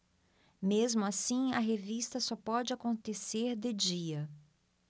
mesmo assim a revista só pode acontecer de dia